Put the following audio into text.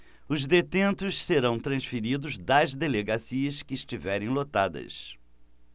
os detentos serão transferidos das delegacias que estiverem lotadas